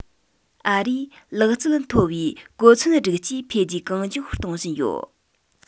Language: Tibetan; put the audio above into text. ཨ རིས ལག རྩལ མཐོ བའི གོ མཚོན སྒྲིག ཆས འཕེལ རྒྱས གང མགྱོགས གཏོང བཞིན ཡོད